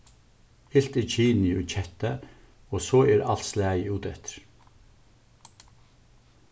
ilt er kynið í kettu og so er alt slagið úteftir